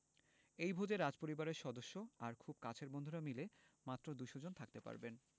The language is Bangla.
এই ভোজে রাজপরিবারের সদস্য আর খুব কাছের বন্ধুরা মিলে মাত্র ২০০ জন থাকতে পারবেন